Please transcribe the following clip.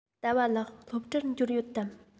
ཟླ བ ལགས སློབ གྲྭར འབྱོར ཡོད དམ